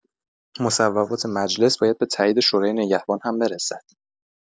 مصوبات مجلس باید به تایید شورای نگهبان هم برسد.